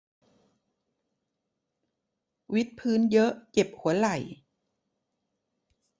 วิดพื้นเยอะเจ็บหัวไหล่